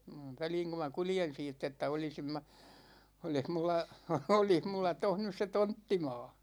väliin kun minä kuljen siitä että olisin minä olisi minulla olisi minulla tuossa nyt se tonttimaa